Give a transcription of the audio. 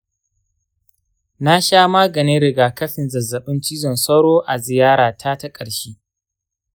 na sha maganin riga-kafin zazzabin cizon sauro a ziyarata ta ƙarshe